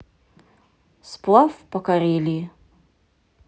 сплав по карелии